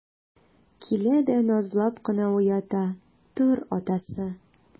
Килә дә назлап кына уята: - Тор, атасы!